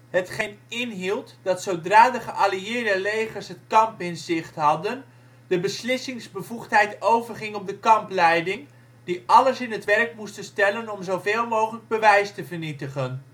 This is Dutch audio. hetgeen inhield dat zodra de geallieerde legers het kamp in zicht hadden, de beslissingsbevoegdheid overging op de kampleiding, die alles in het werk moest stellen om zoveel mogelijk bewijs te vernietigen